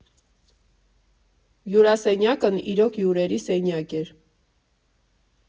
Հյուրասենյակն իրոք հյուրերի սենյակ էր։